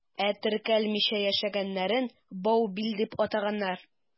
Ә теркәлмичә яшәгәннәрен «баубил» дип атаганнар.